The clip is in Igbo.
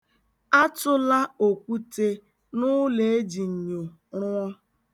Atụla okwute n'ụlọ e ji nnyo rụọ.